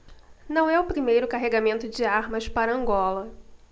não é o primeiro carregamento de armas para angola